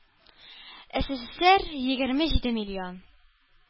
Эсэсэсэр егерме җиде миллион,